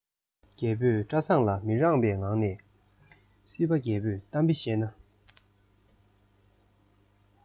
རྒད པོས བཀྲ བཟང ལ མི རངས པའི ངང ནས སྲིད པ རྒད པོས གཏམ དཔེ བཤད ན